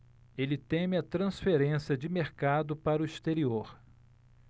ele teme a transferência de mercado para o exterior